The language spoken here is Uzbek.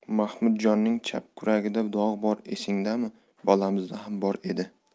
mahmudjonning chap kuragida dog' bor esingdami bolamizda ham bor edi